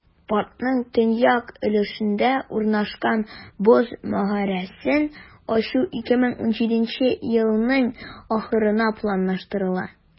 Паркның төньяк өлешендә урнашкан "Боз мәгарәсен" ачу 2017 елның ахырына планлаштырыла.